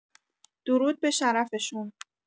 درود به شرف‌شون